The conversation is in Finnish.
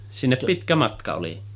Sinne pitkä matka oli